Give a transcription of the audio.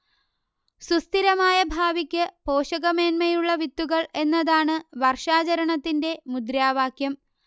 സുസ്ഥിരമായ ഭാവിക്ക് പോഷകമേന്മയുള്ള വിത്തുകൾ എന്നതാണ് വർഷാചരണത്തിന്റെ മുദ്രാവാക്യം